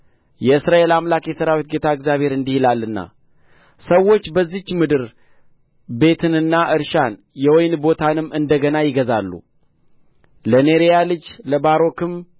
የእስራኤል አምላክ የሠራዊት ጌታ እግዚአብሔር እንዲህ ይላልና ሰዎች በዚህች ምድር ቤትንና እርሻን የወይን ቦታንም እንደ ገና ይገዛሉ ለኔርያ ልጅ ለባሮክም